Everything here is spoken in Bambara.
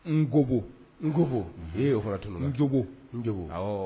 N kogo n ko era tun jo n